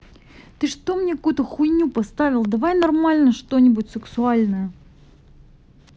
ты что мне какую то хуйню поставил давай найди что нибудь сексуальное